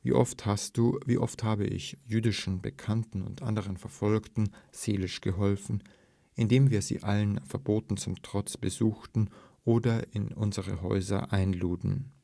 oft hast Du, wie oft habe ich jüdischen Bekannten und anderen Verfolgten seelisch geholfen, indem wir sie allen Verboten zum Trotz besuchten oder in unsere Häuser einluden